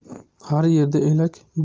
har yerda elak